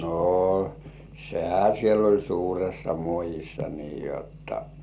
no sehän siellä oli suuressa muodissa niin jotta